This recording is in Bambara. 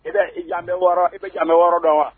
I bɛ i jan wɔɔrɔ i bɛ jan wɔɔrɔ dɔn wa